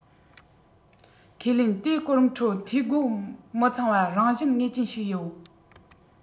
ཁས ལེན ལྟའི གོ རིམ ཁྲོད འཐུས སྒོ མི ཚང བ རང བཞིན ངེས ཅན ཞིག ཡོད